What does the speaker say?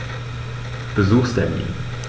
Besuchstermin